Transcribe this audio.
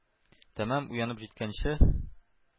Тәмам уянып җиткәнче,